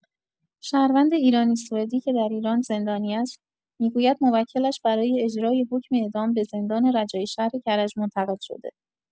شهروند ایرانی-سوئدی که در ایران زندانی است، می‌گوید موکلش برای اجرای حکم اعدام به زندان رجایی شهر کرج منتقل‌شده.